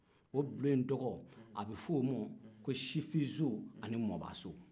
o bulon in tɔgɔ a bɛ f'o ma ko sifinso ani mɔɔbaso